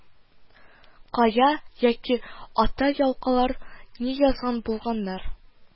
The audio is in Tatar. Кая, әки, ата ялкаулар ни язган булганнар